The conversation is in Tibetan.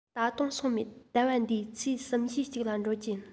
ད དུང སོང མེད ཟླ བ འདིའི ཚེས གསུམ བཞིའི གཅིག ལ འགྲོ རྒྱུུ ཡིན